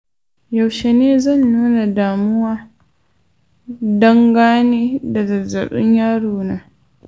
yaushe ne zan nuna damuwa dan gane da zazzaɓin yarona